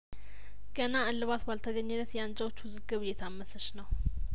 ገና እልባት ባልተገኘለት የአንጃዎች ውዝግብ እየታመሰች ነው